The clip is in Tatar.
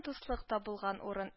Дуслык табылган урын